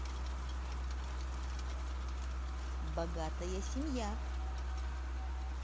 богатая семья